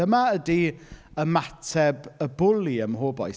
Dyma ydi ymateb y bwli ym mhob oes.